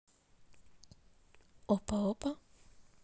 опа опа